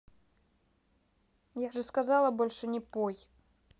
я же сказала больше не пой